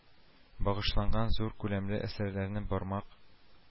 Багышланган зур күләмле әсәрләрне бармак